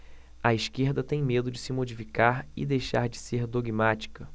a esquerda tem medo de se modificar e deixar de ser dogmática